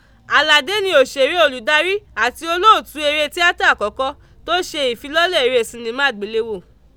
Àlàdé ni òṣèré olùdarí àti Olóòtú eré tíátà àkọ́kọ́ tó ṣe ìfilọ́lẹ̀ eré sinimá àgbéléwò.